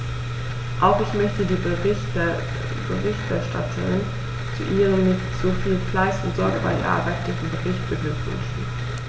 Auch ich möchte die Berichterstatterin zu ihrem mit so viel Fleiß und Sorgfalt erarbeiteten Bericht beglückwünschen.